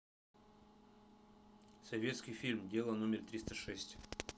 советский фильм дело номер триста шесть